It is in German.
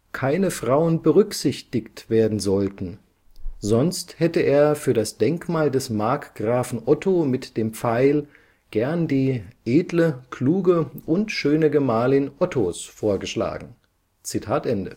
keine Frauen berücksichtigt werden sollten, sonst hätte er für das Denkmal des Markgrafen Otto mit dem Pfeil gern die » edle, kluge und schöne Gemahlin Ottos « vorgeschlagen. “Ein